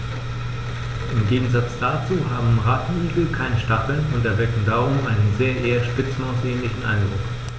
Im Gegensatz dazu haben Rattenigel keine Stacheln und erwecken darum einen eher Spitzmaus-ähnlichen Eindruck.